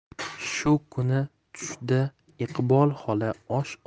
shu kuni tushda iqbol xola osh